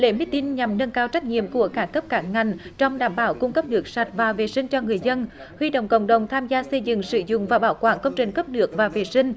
lễ mít tinh nhằm nâng cao trách nhiệm của các cấp các ngành trong đảm bảo cung cấp nước sạch và vệ sinh cho người dân huy động cộng đồng tham gia xây dựng sử dụng và bảo quản công trình cấp nước và vệ sinh